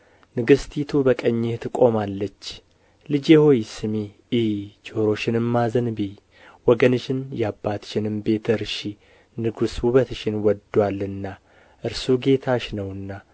ንግሥቲቱ በቀኝህ ትቆማለች ልጄ ሆይ ስሚ እዪ ጆሮሽንም አዘንብዪ ወገንሽን ያባትሽንም ቤት እርሺ ንጉሥ ውበትሽን ወድዶአልና እርሱ ጌታሽ ነውና